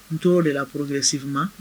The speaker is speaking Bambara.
N tol'o de la progressivement